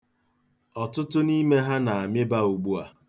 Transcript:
Ọtụtụ n'ime ha na-amịba ugbu a.